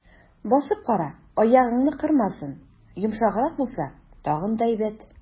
Басып кара, аягыңны кырмасын, йомшаграк булса, тагын да әйбәт.